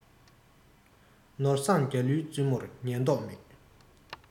ནོར བཟང རྒྱ ལུའི བཙུན མོར ཉན མདོག མེད